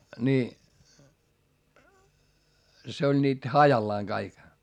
niin se oli niitä hajallaan kaikki